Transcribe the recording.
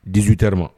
Ditu tɛ ma